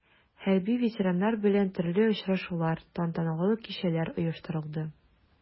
Хәрби ветераннар белән төрле очрашулар, тантаналы кичәләр оештырылды.